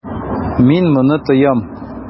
Мин моны тоям.